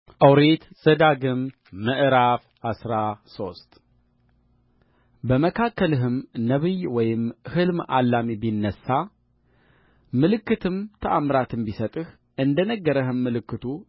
ኦሪት ዘዳግም ምዕራፍ አስራ ሶስት በመካከልህም ነቢይ ወይም ሕልም አላሚ ቢነሣ ምልክትም ተአምራትም ቢሰጥህ እንደ ነገረህም ምልክቱ